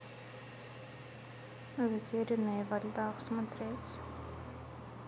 затерянные во льдах смотреть